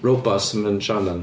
Robots ma' o'n siarad amdan.